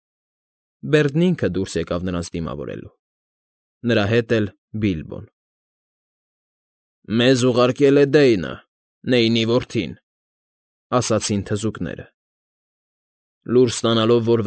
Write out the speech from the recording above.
Բերդն ինքը դուրս եկավ նրանց դիմավորելու, նրա հետ էլ՝ Բիլբոն։ ֊ Մեզ ուղարկել է Դեյնը, Նեյնի որդին,֊ ասացին թզուկները։֊ Լուր ստանալով, որ։